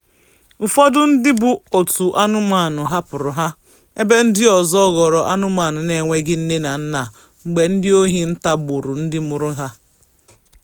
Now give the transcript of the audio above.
Ụfọdụ ndị bụ òtù anụmanụ hapụrụ ha, ebe ndị ọzọ ghọrọ anụmanụ n'enweghị nne na nna mgbe ndị ohi nta gburu ndị mụrụ ha.